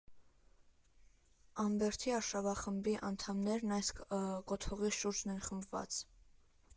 ) Ամբերդի արշավախմբի անդամներն այս կոթողի շուրջն են խմբված։